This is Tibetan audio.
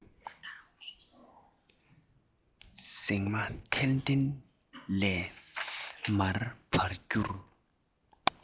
ཟེགས མ ཐལ རྡུལ ལས མང བར གྱུར